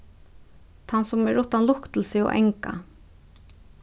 tann sum er uttan luktilsi og anga